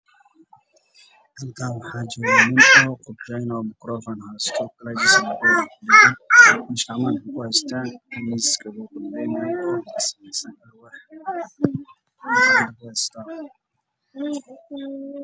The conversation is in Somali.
Meeshan waxaa taagan nimo koroofan haysto